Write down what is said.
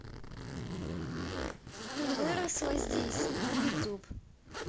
я выросла здесь youtube